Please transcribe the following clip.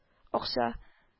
- акча